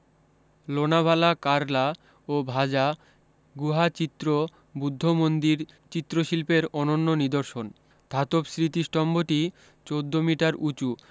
লোনাভালা কারলা ও ভাজা গূহা চিত্র বুদ্ধ মন্দির চিত্রশিল্পের অনন্য নিদর্শন ধাতব স্মৃতিস্তম্ভটি চোদ্দ মিটার উঁচু